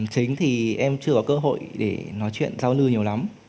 chính thì em chưa có cơ hội để nói chuyện giao lưu nhiều lắm